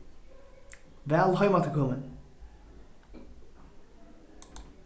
væl heimafturkomin